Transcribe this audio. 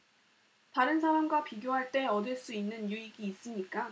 다른 사람과 비교할 때 얻을 수 있는 유익이 있습니까